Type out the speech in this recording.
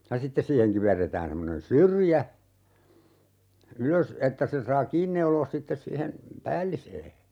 ja sitten siihen kiverretään semmoinen syrjä ylös että sen saa kiinni neuloa sitten siihen päälliseen